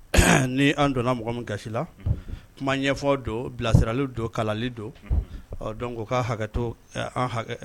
ni an' donna mɔgɔ min gasi la unhun kuma ɲɛfɔ don bilasirali don kalali don unhun ɔɔ donc u ka hakɛto ɛɛ an' hakɛ